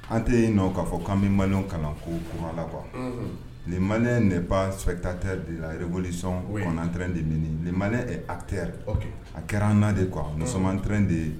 An tɛ yen ka'a fɔ ko an bɛ maliy kalan ko ko hala qu lien ne ba sɛta tɛ de lareolisɔnantren de en a tɛ a kɛraran n' de kuwasɔntren de ye